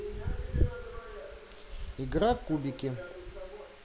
игра кубики